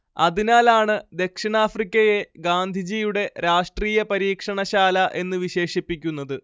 അതിനാലാണ് ദക്ഷിണാഫ്രിക്കയെ ഗാന്ധിജിയുടെ രാഷ്ട്രീയ പരീക്ഷണ ശാല എന്നു വിശേഷിപ്പിക്കുന്നത്